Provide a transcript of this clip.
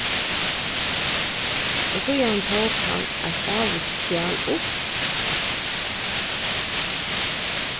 og síðani tók hann eitt ávíst skjal upp